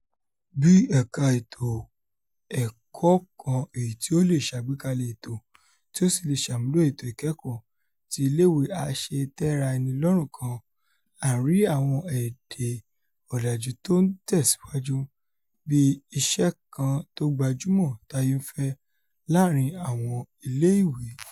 Bí ẹ̀ka ètò ẹ̀kọ́ kan èyití ó leè ṣàgbékalẹ̀ ètò tí ó sì leè ṣàmúlò ètò ìkẹkọ̀ọ́ ti ilé ìwé àṣetẹ́ra-ẹnilọ́rùn kan, a ńrí àwọn èdè ọ̀làjù tó ńtẹ̀síwájú bí iṣẹ́ kan tógbajúmọ̀ táyé-ńfẹ́ láàrin àwọn ilé ìwé.